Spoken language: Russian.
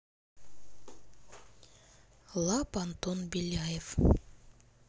лаб антон беляев